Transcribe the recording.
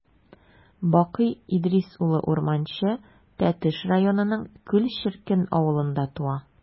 Бакый Идрис улы Урманче Тәтеш районының Күл черкен авылында туа.